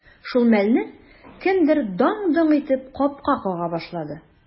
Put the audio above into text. Шул мәлне кемдер даң-доң итеп капка кага башлады.